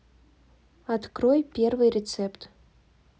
открой первый рецепт